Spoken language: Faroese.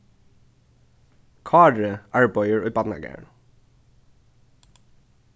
kári arbeiðir í barnagarðinum